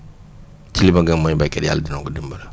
ci li ma gëm mooy béykat yàlla dina ko dimbale